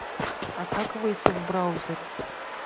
а как выйти в браузер